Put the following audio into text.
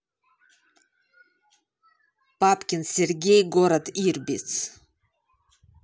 папкин сергей город ирбис